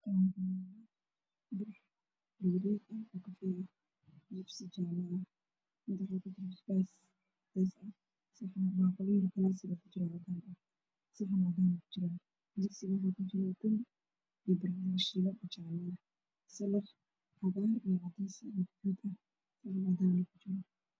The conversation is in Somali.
Halkaan waxaa ka muuqdo cunto miis saaran oo weel cadaan ku jiraan cuntadana waa doorsho iyo wixii lamid ah